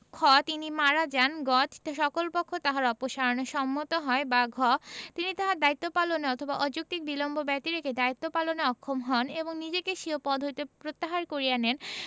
খ তিনি মারা যান গ সকল পক্ষ তাহার অপসারণে সম্মত হয় বা ঘ তিনি তাহার দায়িত্ব পালনে অথবা অযৌক্তিক বিলম্ব ব্যতিরেকে দায়িত্ব পালনে অক্ষম হন এবং নিজেকে স্বীয় পদ হইতে প্রত্যাহার করিয়া নেন